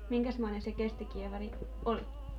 minkäsmoinen se kestikievari oli